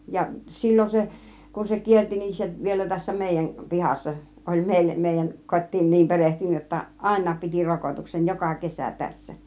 ja silloin se kun se kiersi niin se vielä tässä meidän pihassa oli - meidän kotiin niin perehtynyt jotta ainakin piti rokotuksen joka kesä tässä